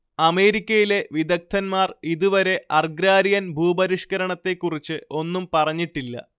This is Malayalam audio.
അമേരിക്കയിലെ വിദഗ്‌ദ്ധന്മാർ ഇതുവരെ അർഗ്രാരിയൻ ഭൂപരിഷ്കരണത്തെക്കുറിച്ച് ഒന്നും പറഞ്ഞിട്ടില്ല